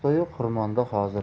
yo'q xirmonda hozir